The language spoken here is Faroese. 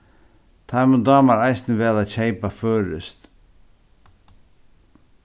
teimum dámar eisini væl at keypa føroyskt